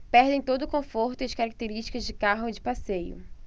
perdem todo o conforto e as características de carro de passeio